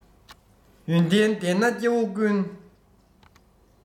ཡོན ཏན ལྡན ན སྐྱེ བོ ཀུན